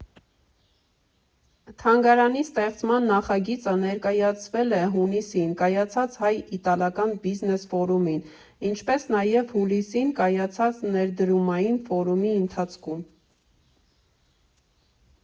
Թանգարանի ստեղծման նախագիծը ներկայացվել է հունիսին կայացած Հայ֊իտալական բիզնես ֆորումին, ինչպես նաև հուլիսին կայացած ներդրումային ֆորումի ընթացքում։